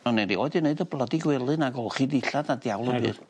O'n i rioed 'di neud y blydi gwely na golchi dillad na diawl 'im byd.